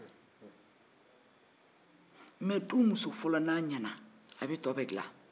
ni du muso fɔlɔ ɲɛna a bɛ tɔ bɛɛ dila